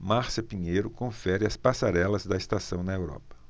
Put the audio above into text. márcia pinheiro confere as passarelas da estação na europa